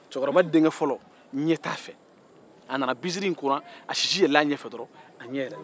cɛkɔrɔba denkɛfɔlɔ ɲɛ t'a fɛ a nana binsiri n kɔrɔ a sisi yɛlɛla ɲɛ fɛ dɔrɔn a ɲɛ yɛlɛla